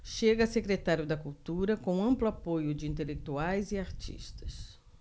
chega a secretário da cultura com amplo apoio de intelectuais e artistas